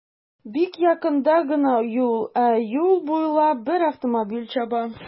Бик якында гына юл, ә юл буйлап бер автомобиль чаба.